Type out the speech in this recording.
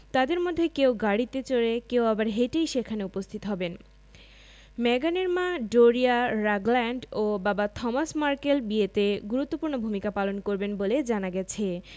তাঁদের মধ্যে কেউ গাড়িতে চড়ে কেউ আবার হেঁটেই সেখানে উপস্থিত হবেন মেগানের মা ডোরিয়া রাগল্যান্ড ও বাবা থমাস মার্কেল বিয়েতে গুরুত্বপূর্ণ ভূমিকা পালন করবেন বলে জানা গেছে